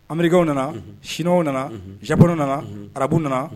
Américain w nana unhun chinois w nana unhun japonais w nana unhun arabuw nana